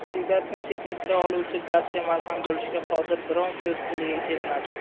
musibatni chekintira oluvchi dardga malham bo'lishga qodir biron so'z tiliga kelmadi